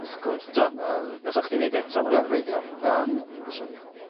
Wrth gwrs. Do. Yy. Bysach chdi'n neud o eto? Gwefreiddiol yym byswn.